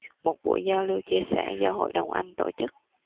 một buổi giao lưu chia sẻ do hội đồng anh tổ chức